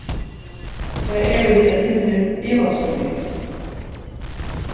tað eru vit eitt sindur ivasom í